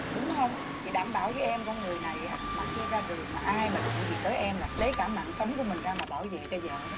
đúng hông chị đảm bảo với em con người này á mà khi ra đường mà ai mà đụng gì tới em là lấy cả mạng sống của mình ra mà bảo vệ cho vợ đó